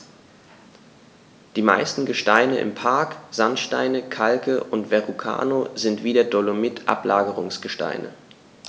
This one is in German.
Die meisten Gesteine im Park – Sandsteine, Kalke und Verrucano – sind wie der Dolomit Ablagerungsgesteine.